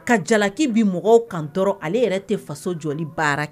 Ka jalaki bin mɔgɔw kan ale yɛrɛ tɛ faso joli baara kɛ